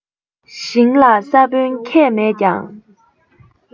ཞིང ལ ས བོན ཁྱད མེད ཀྱང